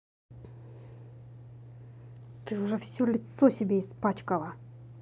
ты уже все лицо себе испачкала